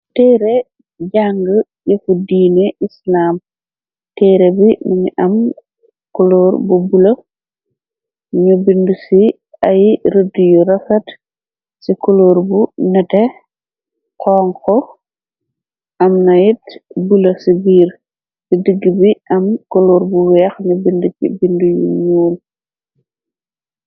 Teere jàng yefuddiine islam. Téere bi minu am koloor bu bule ñu bind ci ay rëdd yu rafat ci koloor bu nete xongko. Am nayit bule ci biir ci digg bi am koloor bu weex ñu bind ci bind yu ñuul.